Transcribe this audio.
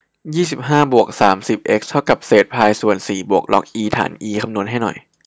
ยี่สิบห้าบวกสามสิบเอ็กซ์เท่ากับเศษพายส่วนสี่บวกล็อกอีฐานอีคำนวณให้หน่อย